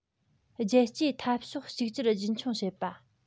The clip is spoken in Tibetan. རྒྱལ གཅེས འཐབ ཕྱོགས གཅིག གྱུར རྒྱུན འཁྱོངས བྱེད པ